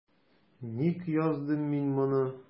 Ник яздым мин моны?